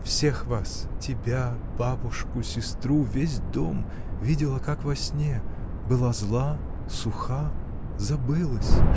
всех вас, тебя, бабушку, сестру, весь дом — видела как во сне, была зла, суха — забылась!.